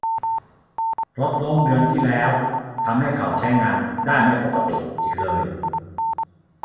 รถล้มเดือนที่แล้วทำให้เข่าใช้งานได้ไม่ปกติอีกเลย